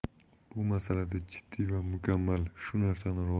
bu masalada jiddiy va mukammal shu narsani